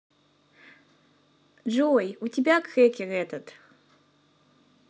джой у тебя крекер этот